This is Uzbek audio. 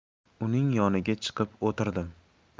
uning yoniga chiqib o'tirdim